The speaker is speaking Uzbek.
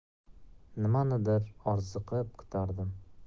nimanidir orziqib kutardim